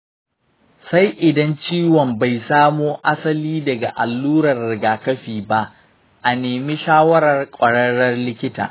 sai idan ciwon bai samo asali daga allurar rigakafi ba. a nemi shawarar ƙwararren likita.